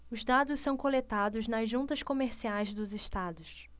os dados são coletados nas juntas comerciais dos estados